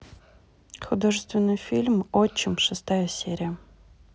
художественный фильм отчим шестая серия